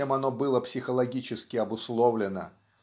чем оно было психологически обусловлено